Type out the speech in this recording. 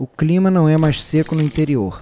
o clima não é mais seco no interior